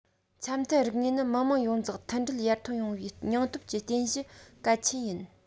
འཆམ མཐུན རིག གནས ནི མི དམངས ཡོངས རྫོགས མཐུན སྒྲིལ ཡར ཐོན ཡོང བའི སྙིང སྟོབས ཀྱི རྟེན གཞི གལ ཆེན ཡིན